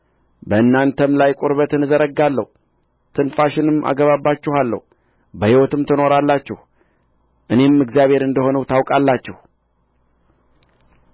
በእናንተም ላይ ቁርበትን እዘረጋለሁ ትንፋሽንም አገባባችኋለሁ በሕይወትም ትኖራላችሁ እኔም እግዚአብሔር እንደ ሆንሁ ታውቃላችሁ